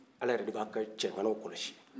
ala yɛrɛ de ba la cɛganaw kɔlɔsi